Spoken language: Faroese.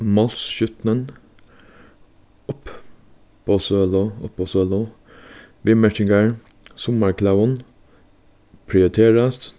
uppboðssølu uppboðssølu viðmerkingar summarklæðum prioriterast